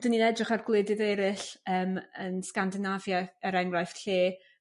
'dyn ni'n edrych ar gwledydd eryll yym yn Sgandinafia er enghraifft lle